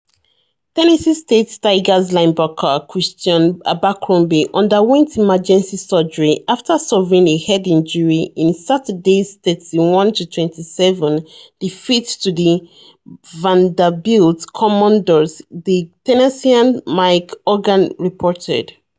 Tennessee State Tigers linebacker Christion Abercrombie underwent emergency surgery after suffering a head injury in Saturday's 31-27 defeat to the Vanderbilt Commodores, the Tennessean's Mike Organ reported.